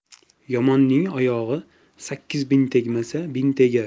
yomonning oyog'i sakkiz bin tegmasa bin tegar